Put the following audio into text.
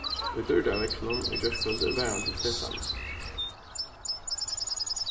í dýrdarveðrinum í gjárkvøldið var hann til setanina